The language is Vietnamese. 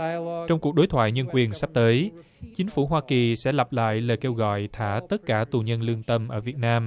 trong cuộc đối thoại nhân quyền sắp tới chính phủ hoa kỳ sẽ lặp lại lời kêu gọi thả tất cả tù nhân lương tâm ở việt nam